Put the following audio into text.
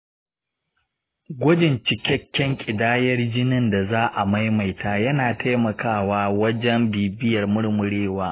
gwajin cikakken ƙidayar jinin da za a maimaita yana taimakawa wajen bibiyar murmurewa.